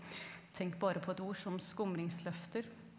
tenk bare på et ord som skumringsløfter.